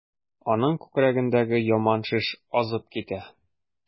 Аның күкрәгендәге яман шеш азып китә.